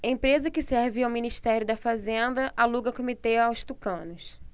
empresa que serve ao ministério da fazenda aluga comitê aos tucanos